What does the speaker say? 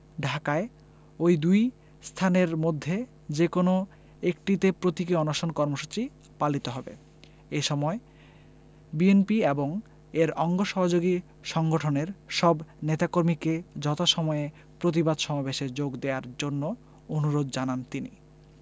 ঢাকায় ওই দুই স্থানের মধ্যে যেকোনো একটিতে প্রতীকী অনশন কর্মসূচি পালিত হবে এ সময় বিএনপি এবং এর অঙ্গ সহযোগী সংগঠনের সব নেতাকর্মীকে যথাসময়ে প্রতিবাদ সমাবেশে যোগ দেয়ার জন্য অনুরোধ জানান তিনি